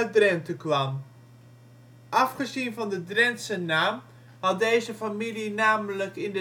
Drenthe kwam. Afgezien van de Drentse naam had deze familie namelijk in